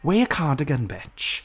Wear your cardigan, bitch.